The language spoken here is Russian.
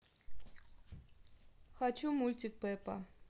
хочу мультик пеппа